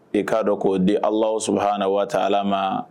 E k'a dɔn ko di ala suhaɛ waati ala ma